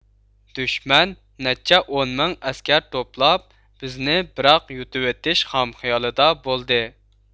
دۈشمەن نەچچە ئون مىڭ ئەسكەر توپلاپ بىزنى بىراق يۇتۇۋېتىش خام خىيالىدا بولدى